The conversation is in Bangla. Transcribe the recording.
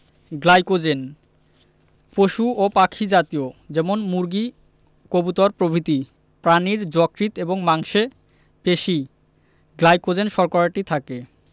গ্লাইকোজেন পশু ও পাখি জাতীয় যেমন মুরগি কবুতর প্রভৃতি প্রাণীর যকৃৎ এবং মাংসে পেশি গ্লাইকোজেন শর্করাটি থাকে